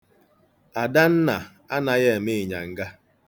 Adanna anaghị eme inyanga.